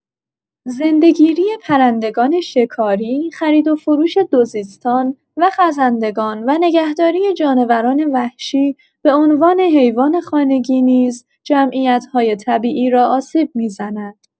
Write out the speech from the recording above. زنده‌گیری پرندگان شکاری، خریدوفروش دوزیستان و خزندگان و نگهداری جانوران وحشی به‌عنوان حیوان خانگی نیز جمعیت‌های طبیعی را آسیب می‌زند.